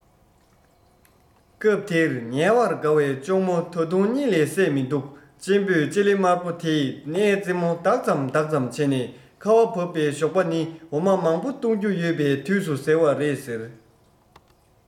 སྐབས དེར ཉལ བར དགའ བའི གཅུང མོ ད དུང གཉིད ལས སད མི འདུག གཅེན པོས ལྕེ ལེབ དམར པོ དེས སྣའི རྩེ མོ ལྡག ཙམ ལྡག ཙམ བྱས ནས ཁ བ བབས པའི ཞོགས པ ནི འོ མ མང པོ བཏུང རྒྱུ ཡོད པའི དུས སུ ཟེར བ རེད ཟེར